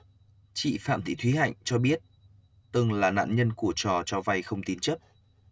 chị phạm thị thúy hạnh cho biết từng là nạn nhân của trò cho vay không tín chấp